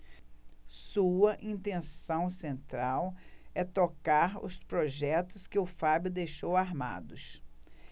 sua intenção central é tocar os projetos que o fábio deixou armados